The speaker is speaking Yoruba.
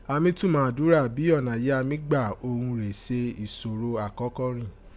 A mi tunmà adura bi ọ̀na yìí a mí n gba òghun rèé se ìsoro akọ́kọ́ rin.